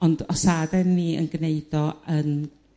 Ond os aden ni yn g'neud o yn...